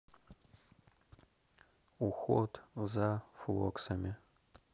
уход за флоксами